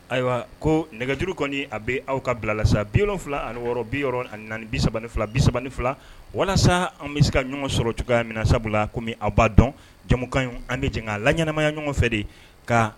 Ayiwa ko nɛgɛjuru kɔni a bɛ aw ka bilala sa biɔrɔn fila ani wɔɔrɔ bi ani bi3 fila bi3ban fila walasa an bɛ se ka ɲɔgɔn sɔrɔ cogoya min na sabula la kɔmi aw b'a dɔn jamukan an bɛ jigin' a la ɲɛnaanamaya ɲɔgɔn fɛ de k